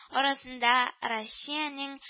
Арасында россиянең